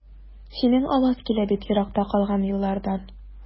Синең аваз килә бик еракта калган еллардан.